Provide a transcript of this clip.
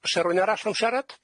O's 'a rywun arall yn siarad?